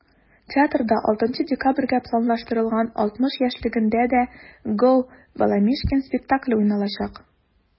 Театрда 6 декабрьгә планлаштырылган 60 яшьлегендә дә “Gо!Баламишкин" спектакле уйналачак.